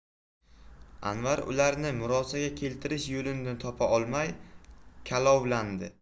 anvar ularni murosaga keltirish yo'lini topa olmay kalovlandi